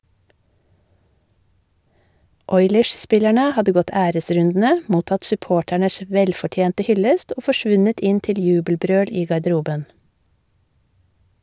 Oilers-spillerne hadde gått æresrundene, mottatt supporternes velfortjente hyllest og forsvunnet inn til jubelbrøl i garderoben.